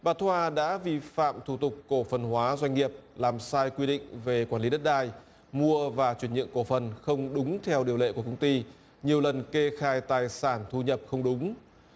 bà thoa đã vi phạm thủ tục cổ phần hóa doanh nghiệp làm sai quy định về quản lý đất đai mua và chuyển nhượng cổ phần không đúng theo điều lệ của công ty nhiều lần kê khai tài sản thu nhập không đúng